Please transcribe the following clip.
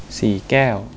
สี่แก้ว